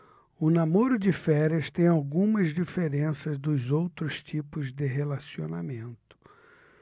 o namoro de férias tem algumas diferenças dos outros tipos de relacionamento